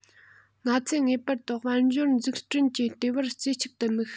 ང ཚོས ངེས པར དུ དཔལ འབྱོར འཛུགས སྐྲུན གྱི ལྟེ བར རྩེ གཅིག ཏུ དམིགས